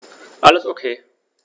Alles OK.